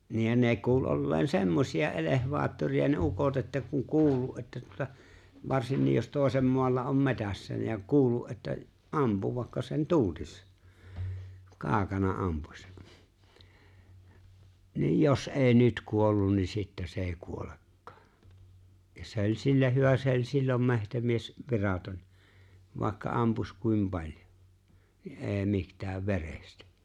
niin ja ne kuuli olleen semmoisia elevaattoreita ne ukot että kun kuullut että tuota varsinkin jos toisen maalla on metsässä ja kuullut että ampui vaikka sen tuntisi kaukana ampui niin jos ei nyt kuollut niin sitten se ei kuolekaan ja se oli sillä hyvä se oli silloin metsämies viraton vaikka ampuisi kuinka paljon niin ei mitään verestä